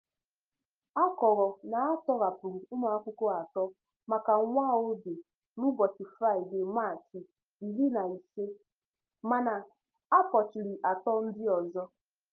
A kọrọ na a tọhapụrụ ụmụakwụkwọ atọ maka nwaoge n'ụbọchị Fraịdee, Maachị 15, mana, a kpọchiri atọ ndị ọzọ.